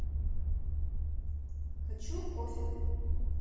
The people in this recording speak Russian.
хочу кофе